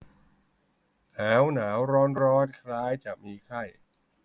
หนาวหนาวร้อนร้อนคล้ายจะมีไข้